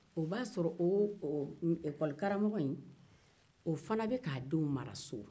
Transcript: o b'a sɔrɔ o ɛkɔlikaramɔgɔ in o fana bɛ ka a denw mara so